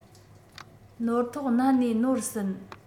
ནོར ཐོག བསྣན ནས ནོར ཟིན